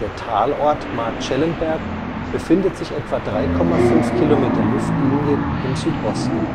Talort Marktschellenberg befindet sich etwa 3,5 km Luftlinie im Südosten